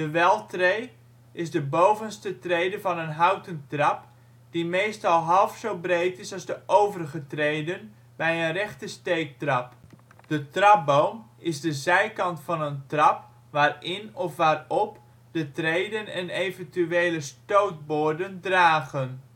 weltree, de bovenste trede van een houten trap, die meestal half zo breed is als de overige treden, bij een rechte steektrap. De trapboom is de zijkant van een trap waarin of waarop de treden en eventuele stootborden dragen